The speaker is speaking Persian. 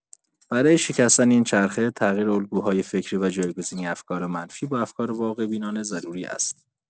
برای شکستن این چرخه، تغییر الگوهای فکری و جایگزینی افکار منفی با افکار واقع‌بینانه ضروری است.